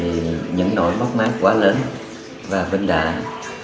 những nỗi mất mát quá lớn và vinh đã